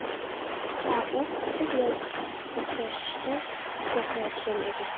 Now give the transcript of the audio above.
ha u qizi bilan uchrashishdan qo'rqayotgan edi